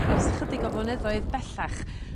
...ers chydig o flynyddoedd bellach.